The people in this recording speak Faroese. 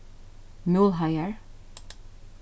múlheiðar